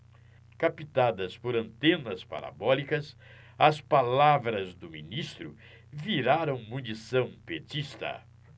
captadas por antenas parabólicas as palavras do ministro viraram munição petista